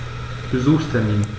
Besuchstermin